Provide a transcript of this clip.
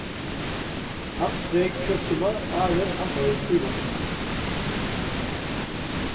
hann streyk skjúrtuna áðrenn hann fór í veitslu